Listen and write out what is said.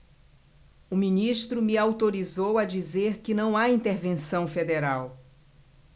o ministro me autorizou a dizer que não há intervenção federal